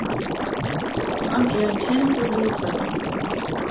hann er ein kendur rithøvundur